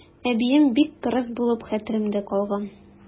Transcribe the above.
Әбием бик кырыс булып хәтеремдә калган.